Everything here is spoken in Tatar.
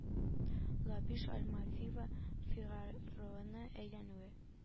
Лабиш альмавива фигароны әйләнүе